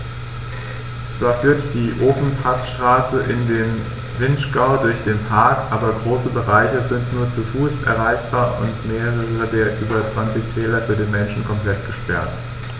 Zwar führt die Ofenpassstraße in den Vinschgau durch den Park, aber große Bereiche sind nur zu Fuß erreichbar und mehrere der über 20 Täler für den Menschen komplett gesperrt.